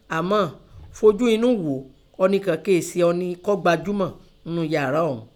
Àmọ́, fojú innú gho ọnì kàn kéè se ọni kọ́ gbajúmọ̀ ńnú yàrá ọ̀ún.